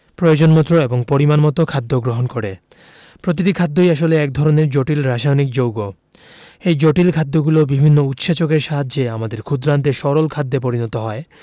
প্রয়োজনমতো এবং পরিমাণমতো খাদ্য গ্রহণ করে প্রতিটি খাদ্যই আসলে এক ধরনের জটিল রাসায়নিক যৌগ এই জটিল খাদ্যগুলো বিভিন্ন উৎসেচকের সাহায্যে আমাদের ক্ষুদ্রান্তে সরল খাদ্যে পরিণত হয়